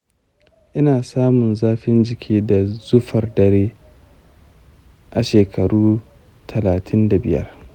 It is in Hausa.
ina samun zafin jiki da zufar dare a shekaru talatin da biyar.